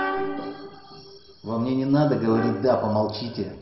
вот мне не надо говорить да помолчите